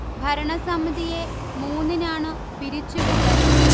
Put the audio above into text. ഭരണസമിതിയെ മൂന്നിനാണു പിരിച്ചു വിട്ടത്